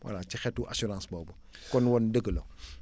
voilà ci xeetu assurance boobu kon woon dëgg la